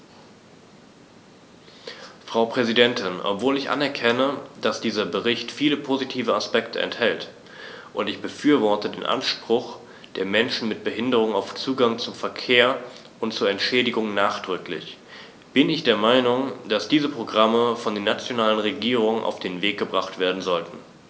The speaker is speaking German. Frau Präsidentin, obwohl ich anerkenne, dass dieser Bericht viele positive Aspekte enthält - und ich befürworte den Anspruch der Menschen mit Behinderung auf Zugang zum Verkehr und zu Entschädigung nachdrücklich -, bin ich der Meinung, dass diese Programme von den nationalen Regierungen auf den Weg gebracht werden sollten.